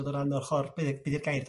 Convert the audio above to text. Dod o ran ochor be' be' 'di'r gair